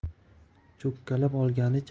cho'kkalab olganicha bolani